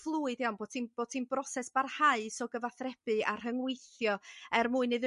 fluid iawn bo' ti'n bod ti'n broses barhaus o gyfathrebu a rhyngweithio er mwyn iddyn